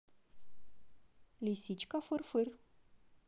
лисичка фыр фыр